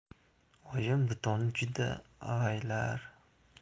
oyim dutorni juda avaylar